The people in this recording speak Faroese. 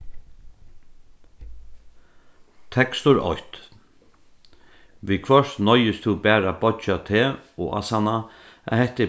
tekstur eitt viðhvørt noyðist tú bara at boyggja teg og ásanna at hetta er